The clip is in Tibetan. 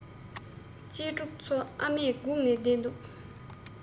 གཅེས ཕྲུག ཚོ ཨ མས སྒུག ནས བསྡད འདུག